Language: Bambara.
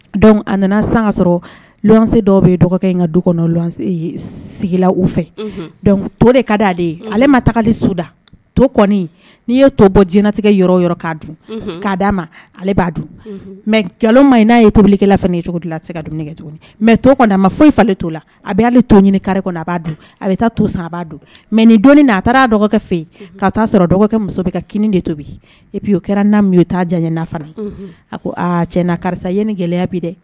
A nana san sɔrɔ se dɔw bɛ dɔgɔkɛ in ka du sigila u fɛ to de ka di aleale ye ale ma taga suda to n'i ye to bɔ jinatigɛ yɔrɔ yɔrɔ kaa dun k'a d'a ma ale b'a dun mɛ ma in n'a ye tobili ye cogo di la a se ka tuguni mɛ to a ma foyi falen t to la a bɛ' to ɲini kari kɔnɔ a b'a a bɛ taa to a b'a mɛ ni dɔnni a taara dɔgɔkɛ fɛ yen ka'a sɔrɔ dɔgɔkɛ muso bɛ ka de tobi epi kɛra n' jan fana a ko aaa cɛ karisa ye ni gɛlɛya bi dɛ